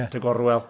at y gorwel.